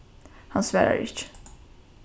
hann svarar ikki